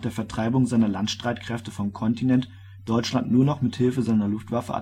Vertreibung seiner Landstreitkräfte vom Kontinent Deutschland nur noch mit Hilfe seiner Luftwaffe